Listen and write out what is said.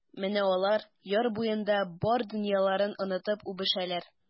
Менә алар яр буенда бар дөньяларын онытып үбешәләр.